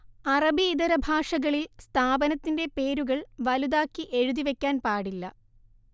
അറബിയിതര ഭാഷകളിൽ സ്ഥാപനത്തിന്റെ പേരുകൾ വലുതാക്കി എഴുതി വെക്കാൻ പാടില്ല